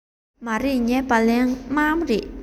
མ རེད ངའི སྦ ལན དམར པོ རེད